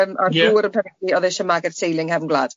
Yym perthynas i oedd e eisiau magu'r teulu yng nghefn gwlad.